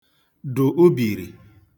dụ̀ ubìrì